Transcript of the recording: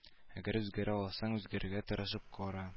Әгәр үзгәрә алсаң үзгәрергә тырышып кара